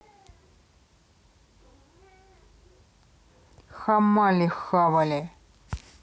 hammali хавали